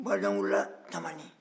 bakarijan wolola tamani